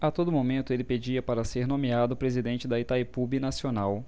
a todo momento ele pedia para ser nomeado presidente de itaipu binacional